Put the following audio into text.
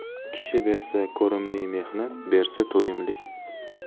kishi bersa ko'rimli mehnat bersa to'yimli